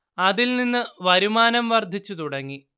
അതിൽ നിന്ന് വരുമാനം വർദ്ധിച്ചു തുടങ്ങി